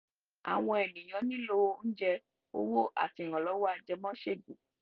@AlyaaGad Àwọn ènìyàn nílò oúnjẹ, owó àti ìrànlọ́wọ́ ajẹmọ́ṣègùn!